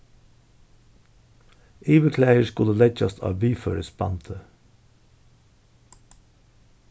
yvirklæðir skulu leggjast á viðførisbandið